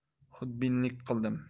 xudbinlik qildim